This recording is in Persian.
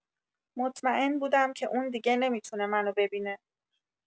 مطمئن بودم که اون دیگه نمی‌تونه منو ببینه.